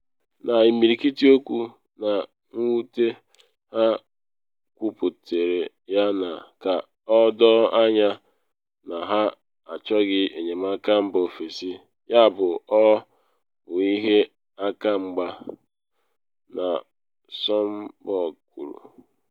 “N’imirikiti okwu, na mwute, ha kwuputere ya ka o doo anya na ha achọghị enyemaka mba ofesi, yabụ ọ bụ ihe aka mgba, “Nw. Sumbung kwuru.